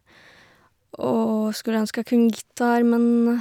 Og skulle ønske jeg kunne gitar, men...